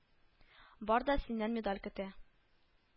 Бар да синнән медаль көтә